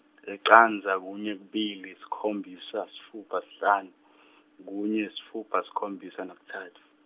licandza kunye kubili sikhombisa, sitfupha sihlanu, kunye sitfupha sikhombisa nakutsatfu.